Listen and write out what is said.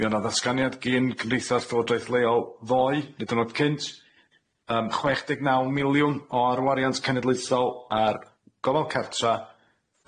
Mi o' na ddatganiad gin Cymdeitha'r Llywodraeth leol ddoe ne' diwrnod cynt yym chwech deg naw miliwn o'r wariant cenedlaethol ar gofal cartra,